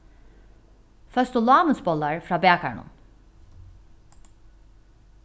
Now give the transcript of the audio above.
føstulávintsbollar frá bakaranum